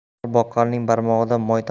mol boqqanning barmog'idan moy tomar